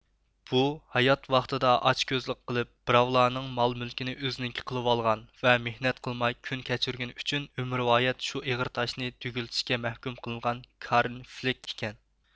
بۇ ھايات ۋاقتىدا ئاچ كۆزلۈك قىلىپ بىراۋلارنىڭ مال مۈلىكىنى ئۆزىنىڭكى قىلىۋالغان ۋە مېھنەت قىلماي كۈن كەچۈرگىنى ئۈچۈن ئۆمۈرۋايەت شۇ ئېغىر تاشنى دۈگىلىتىشكە مەھكۇم قىلىنغان كارىنفلىك ئىكەن